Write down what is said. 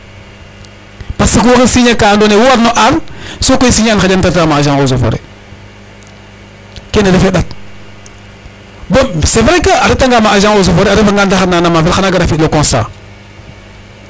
Parce que waxey signer ka andoona yee wo warno aar sokoy signer xaƴa ta retaa ma agent eaux et foret kene refee ƭat .Bon c' est vrai que a retanga ma agent eaux et foret a refanga ndaxar na naa maafel xan a gara fi' le constat.